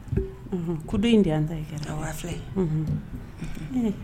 Unhun, ko dɔ in de y'an ta ye, awɔ a filɛ